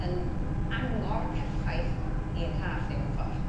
yn angor perffaith i'n rhaff ni mewn ffor.